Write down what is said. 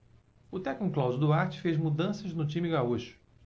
o técnico cláudio duarte fez mudanças no time gaúcho